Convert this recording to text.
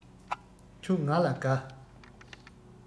ཁྱོད ང ལ དགའ